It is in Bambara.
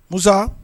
Musa